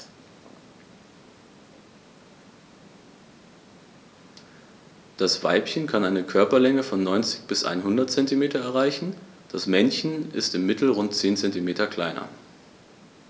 Das Weibchen kann eine Körperlänge von 90-100 cm erreichen; das Männchen ist im Mittel rund 10 cm kleiner.